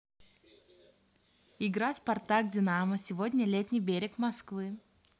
игра спартак динамо сегодня летний берег москвы